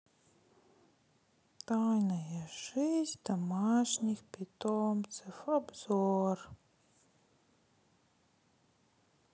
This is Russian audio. тайная жизнь домашних питомцев обзор